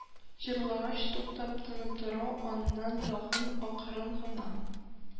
Җырлагач, туктап тынып тора, аннан тагын акрын гына